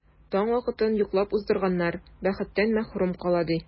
Таң вакытын йоклап уздырганнар бәхеттән мәхрүм кала, ди.